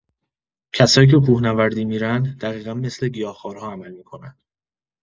کسایی که کوهنوردی می‌رن دقیقا مثل گیاه‌خوارها عمل می‌کنن.